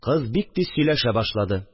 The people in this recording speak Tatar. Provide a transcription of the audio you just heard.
Кыз бик тиз сөйләшә башлады